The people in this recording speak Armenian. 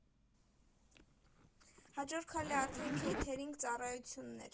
Հաջորդ քայլը արդեն քեյթերինգ ծառայությունն էր.